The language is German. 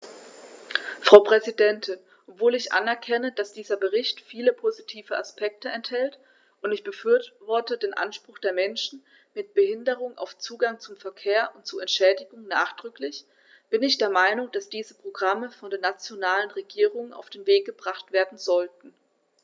Frau Präsidentin, obwohl ich anerkenne, dass dieser Bericht viele positive Aspekte enthält - und ich befürworte den Anspruch der Menschen mit Behinderung auf Zugang zum Verkehr und zu Entschädigung nachdrücklich -, bin ich der Meinung, dass diese Programme von den nationalen Regierungen auf den Weg gebracht werden sollten.